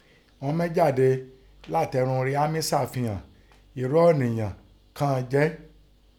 Ihun mín jáde látin ẹrun ria mín sàfihàn ínrú ọ̀nììyàn kẹ́n a jẹ́.